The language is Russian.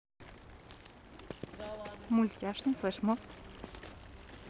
мультяшный флэшмоб